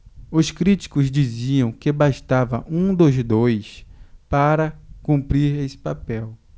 os críticos diziam que bastava um dos dois para cumprir esse papel